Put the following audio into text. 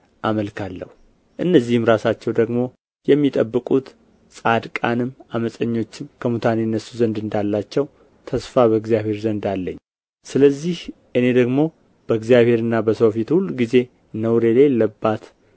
አመልካለሁ እነዚህም ራሳቸው ደግሞ የሚጠብቁት ጻድቃንም ዓመፀኞችም ከሙታን ይነሡ ዘንድ እንዳላቸው ተስፋ በእግዚአብሔር ዘንድ አለኝ ስለዚህ እኔ ደግሞ በእግዚአብሔርና በሰው ፊት ሁልጊዜ ነውር የሌለባት